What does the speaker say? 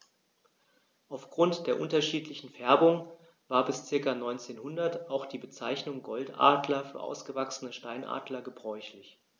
Auf Grund der unterschiedlichen Färbung war bis ca. 1900 auch die Bezeichnung Goldadler für ausgewachsene Steinadler gebräuchlich.